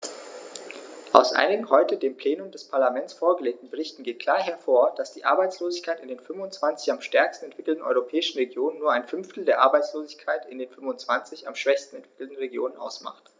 Aus einigen heute dem Plenum des Parlaments vorgelegten Berichten geht klar hervor, dass die Arbeitslosigkeit in den 25 am stärksten entwickelten europäischen Regionen nur ein Fünftel der Arbeitslosigkeit in den 25 am schwächsten entwickelten Regionen ausmacht.